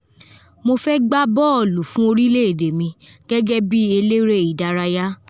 "mo fẹ́ gba bọọlu fún orílẹ̀ èdè mí gẹ́gẹ́ bí eléré ìdárayá.